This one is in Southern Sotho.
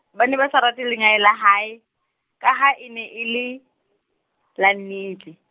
ba ne ba sa rate lengae la hae, ka ha e ne e le, la nnete.